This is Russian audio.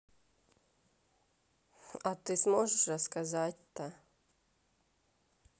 а ты сможешь рассказать то